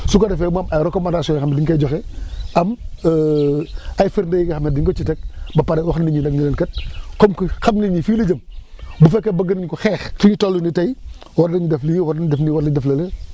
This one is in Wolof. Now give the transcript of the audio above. su ko defee mu am ay recommandations yoo xam dañ koy joxe am ay firnde yi nga xam ne dañ ko ciy teg ba pare wax nit ñi ne leen kat comme que xam nañ ni fii la jëm bu fekkee bëgg ngeen ko xeex fi ñu toll nii tey war nañu def lii war nañ def nii war nañ def lële